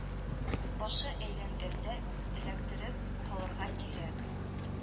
Башы әйләнгәндә эләктереп калырга кирәк